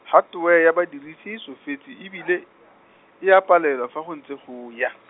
hardware ya badirisi e tsofetse e bile, e a palelwa fa go ntse go ya.